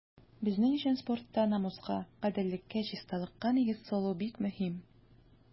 Безнең өчен спортта намуска, гаделлеккә, чисталыкка нигез салу бик мөһим.